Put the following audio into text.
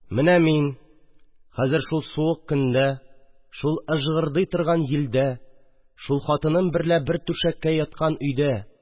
Менә мин – хәзер шул суык көндә, шул ыжгырдый торган җилдә, шул хатыным берлә бер түшәккә яткан өйдә